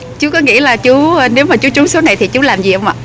chú có nghĩ là chú nếu mà chú trúng số này thì chú làm gì không ạ